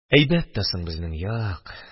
Әйбәт тә соң безнең як!